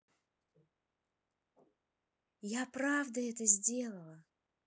я правда это сделала